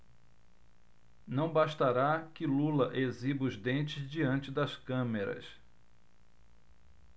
não bastará que lula exiba os dentes diante das câmeras